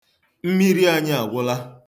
Mmiri anyị agwụla.